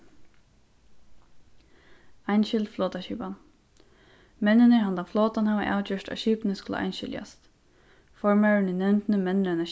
einskild flotaskipan menninir handan flotan hava avgjørt at skipini skulu einskiljast formaðurin í nevndini mennir eina